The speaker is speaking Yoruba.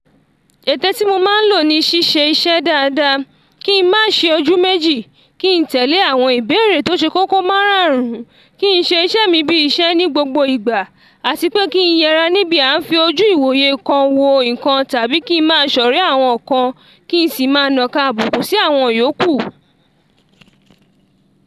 Ète tí mo máa ǹ lò ni ṣiṣẹ́ iṣẹ́ dáadáa: kí n má ṣe ojú méjì, kí n tẹ̀lé àwọn ìbéèrè tó ṣe kókó máráàrún, kí ṣe iṣẹ́ mi bíi iṣẹ ni gbogbo ìgbà, àti pé kí n yẹra níbi à ń fi ojú ìwoye kan wo nǹkan tàbí kí n ma ṣọrẹ̀ẹ́ àwọn kan kí n si máa nàka abúkù sí àwọn yóókù.